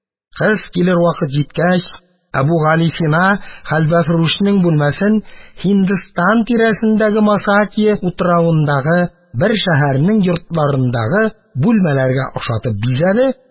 Кыз килер вакыт җиткәч, Әбүгалисина хәлвәфрүшнең бүлмәсен Һиндстан тирәсендәге Мосакия утравындагы бер шәһәрнең йортларындагы бүлмәләргә охшатып бизәде